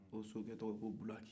o sokɛ tɔgɔ ko bulaki